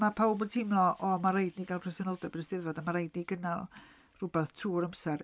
Ma' pawb yn teimlo "O ma' raid i ni gael presenoldeb yn y 'Steddfod, a ma' raid ni gynnal rywbeth trwy'r amser."